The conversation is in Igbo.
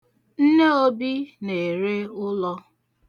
Nne Obi na-ere ụlọ.